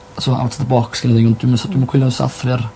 so out o' the box yli ond dwi'm yn sa- dwi'm yn coelio am sathru ar